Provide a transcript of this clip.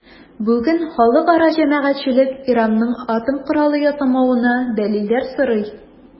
Бүген халыкара җәмәгатьчелек Иранның атом коралы ясамавына дәлилләр сорый.